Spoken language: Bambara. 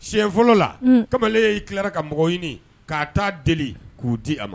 Senɲɛ fɔlɔ la kamalen y'i tilara ka mɔgɔ ɲini k'a deli k'u di a ma